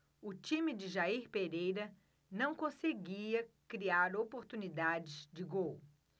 o time de jair pereira não conseguia criar oportunidades de gol